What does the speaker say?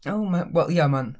Wel mae'n ia mae'n...